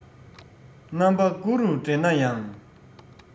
རྣམ པ དགུ རུ འདྲེན ན ཡང